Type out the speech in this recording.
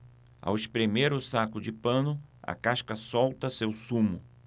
ao espremer o saco de pano a casca solta seu sumo